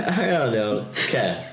Yy hang on iawn, ocê.